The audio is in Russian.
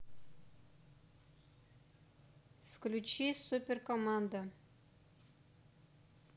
включи супер команда